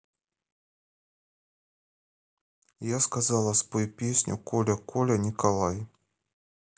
я сказала спой песню коля коля николай